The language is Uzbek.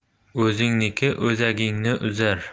o'zingniki o'zagingni uzar